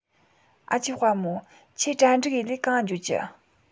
ཨ ཆེ དཔའ མོ ཁྱོས གྲ སྒྲིག ཡས ནས གང ང འགྱོ རྒྱུ